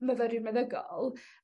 myfyriwr meddygol